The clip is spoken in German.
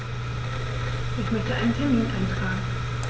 Ich möchte einen Termin eintragen.